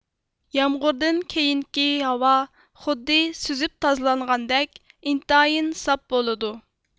يامغۇردىن كېيىنكى ھاۋا خۇددى سۈزۈپ تازىلانغاندەك ئىنتايىن ساپ بولىدۇ